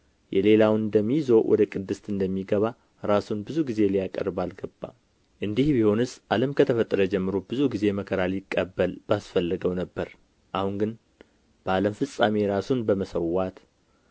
የሌላውን ደም ይዞ ወደ ቅድስት እንደሚገባ ራሱን ብዙ ጊዜ ሊያቀርብ አልገባም እንዲህ ቢሆንስ ዓለም ከተፈጠረ ጀምሮ ብዙ ጊዜ መከራ ሊቀበል ባስፈለገው ነበር አሁን ግን በዓለም ፍጻሜ ራሱን በመሠዋት